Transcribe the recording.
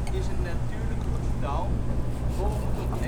is het natuurlijke getal volgend op